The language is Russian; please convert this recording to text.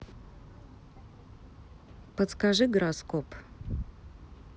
подскажи гороскоп